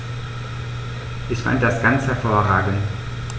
Ich fand das ganz hervorragend.